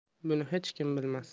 buni hech kim bilmasdi